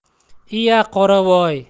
iya qoravoy